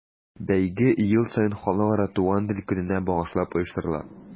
Бәйге ел саен Халыкара туган тел көненә багышлап оештырыла.